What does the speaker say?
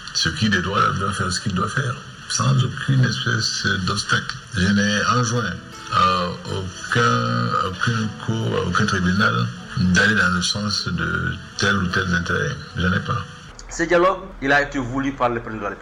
Sokɛki de dɔw la bɛfɛki dɔ fɛ san dɔ anson ka ko kɛlentɔ bɛ na la dalen tɛ tɛte mi ne pan sjalo i'' wuli pan pri